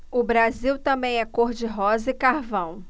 o brasil também é cor de rosa e carvão